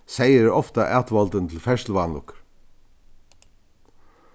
seyður er ofta atvoldin til ferðsluvanlukkur